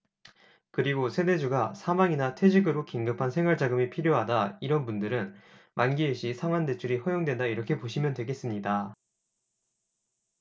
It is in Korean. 그리고 세대주가 사망이나 퇴직으로 긴급한 생활자금이 필요하다 이런 분들은 만기 일시 상환대출이 허용된다 이렇게 보시면 되겠습니다